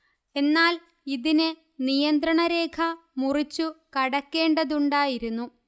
എന്നാൽ ഇതിന് നിയന്ത്രണരേഖ മുറിച്ചു കടക്കേണ്ടതുണ്ടായിരുന്നു